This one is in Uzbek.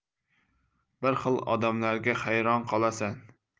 bir xil odamlarga hayron qolasan